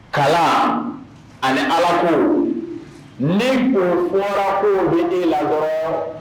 Kalan ani ala ko ni ko fɔra ko bɛ'i la